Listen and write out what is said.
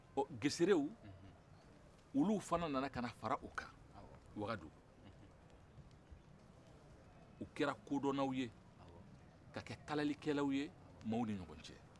ɔ geserew olu fɛnɛ nana kana fara u kan wakaduu u kɛra kodɔnnaw ye ka kɛ kalalikɛlaw ye maaw ni ɲɔgɔncɛ